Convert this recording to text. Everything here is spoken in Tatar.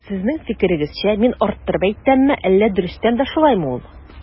Сезнең фикерегезчә мин арттырып әйтәмме, әллә дөрестән дә шулаймы ул?